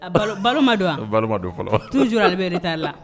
Balo ma don wa?. Balo ma don fɔlɔ. Toujours ale bi retard la